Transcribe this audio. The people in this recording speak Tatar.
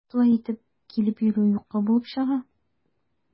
Шулай итеп, килеп йөрүе юкка булып чыга.